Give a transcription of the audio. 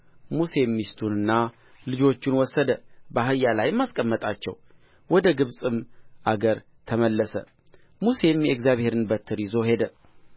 ሙሴም ሚስቱንና ልጆቹን ወሰደ በአህያ ላይም አስቀመጣቸው ወደ ግብፅም አገር ተመለሰ ሙሴም የእግዚአብሔርን በትር ይዞ ሄደ